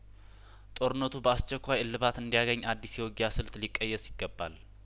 ጦርነቱ በአስቸኳይ እልባት እንዲያገኝ አዲስ የውጊያ ስልት ሊቅየስ ይገባል